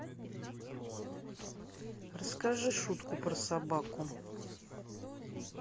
расскажи шутку про собаку